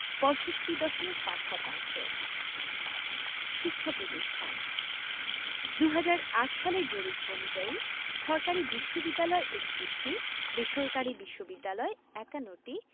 ৬৫.৫ শতাংশ শিক্ষাপ্রতিষ্ঠানঃ ২০০৮ সালের জরিপ অনুযায়ী সরকারি বিশ্ববিদ্যালয় ৩১টি বেসরকারি বিশ্ববিদ্যালয় ৫১টি